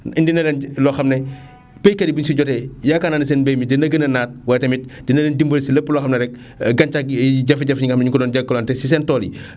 indil na leen loo xam ne baykat yi bu ñu si jotee yaakaar naa ne mbay mi dina gën a naat waaye tamit dina leen dimbali si lépp loo xam ne rek gàncax gi jafe-jafe yi nga xam ne ñu ngi ko doon jànkuwante si seen tool yi